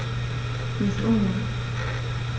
Mir ist ungut.